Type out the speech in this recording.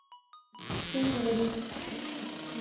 с кем говорить с ним